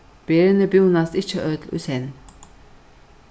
berini búnast ikki øll í senn